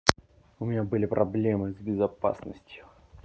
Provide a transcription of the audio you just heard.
у меня были проблемы с безопасностью